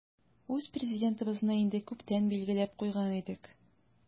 Үз Президентыбызны инде күптән билгеләп куйган идек.